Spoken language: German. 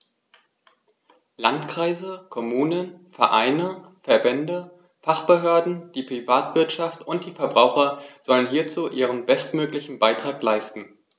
Landkreise, Kommunen, Vereine, Verbände, Fachbehörden, die Privatwirtschaft und die Verbraucher sollen hierzu ihren bestmöglichen Beitrag leisten.